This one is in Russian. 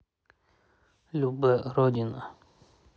любэ родина